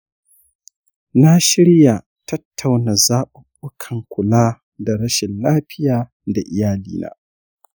na shirya tattauna zaɓuɓɓukan kula da rashin lafiya da iyalina.